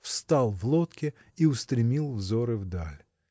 встал в лодке и устремил взоры вдаль.